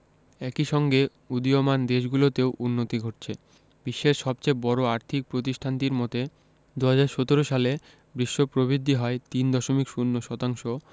একই সঙ্গে উদীয়মান দেশগুলোতেও উন্নতি ঘটছে বিশ্বের সবচেয়ে বড় আর্থিক প্রতিষ্ঠানটির মতে ২০১৭ সালে বিশ্ব প্রবৃদ্ধি হয় ৩.০ শতাংশ